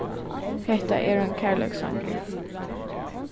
hetta er ein kærleikssangur